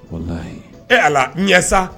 O e ala ɲɛ sa